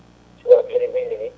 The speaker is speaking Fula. sukaɓe joni *